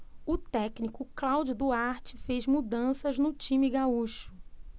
o técnico cláudio duarte fez mudanças no time gaúcho